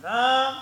Han